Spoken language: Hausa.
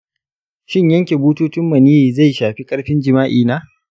shin yanke bututun maniyyi zai shafi ƙarfin jima’i na?